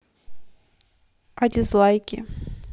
а дизлайки